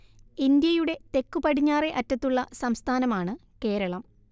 ഇന്ത്യയുടെ തെക്കുപടിഞ്ഞാറെ അറ്റത്തുള്ള സംസ്ഥാനമാണ് കേരളം